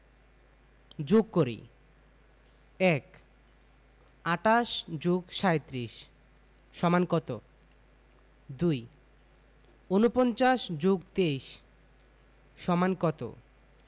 যোগ করিঃ ১ ২৮ + ৩৭ = কত ২ ৪৯ + ২৩ = কত